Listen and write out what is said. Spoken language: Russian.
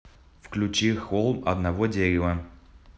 включи холм одного дерева